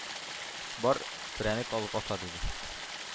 ”бар, перәннек алып аша“, — диде.